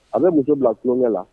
An bɛ muso bila tulonkɛ la